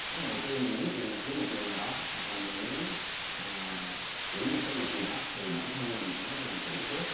cái đầu tiên mình muốn truyền đạt với một người nào đó hoặc là mình muốn ờ chỉ một cái việc gì đó thì bản thân mình phải lấy nó làm chuẩn trước